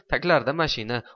taglarida mashina